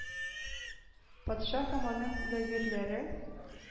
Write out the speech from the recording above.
Патша һәм аның вәзирләре,